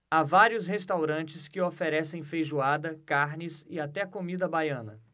há vários restaurantes que oferecem feijoada carnes e até comida baiana